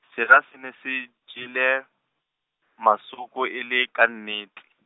sera se ne se jele, masoko e le ka nnete.